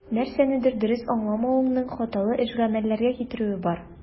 Нәрсәнедер дөрес аңламавыңның хаталы эш-гамәлләргә китерүе бар.